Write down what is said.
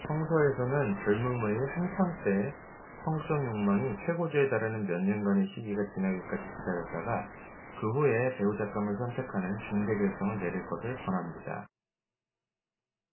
따라서 성서에서는 젊음의 한창때 성적 욕망이 최고조에 달하는 몇 년간의 시기 가 지나기까지 기다렸다가 그 후에 배우잣감을 선택하는 중대 결정을 내릴 것을 권합니다